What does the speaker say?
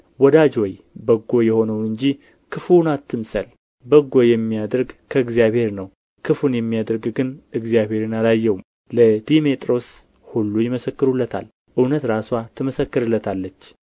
ወዳጅ ሆይ በጎ የሆነውን እንጂ ክፉን አትምሰል በጎ የሚያደርግ ከእግዚአብሔር ነው ክፉን የሚያደርግ ግን እግዚአብሔርን አላየውም ለድሜጥሮስ ሁሉ ይመሰክሩለታል እውነት ራስዋም ትመሰክርለታለች